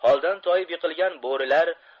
holdan toyib yiqilgan bo'rilar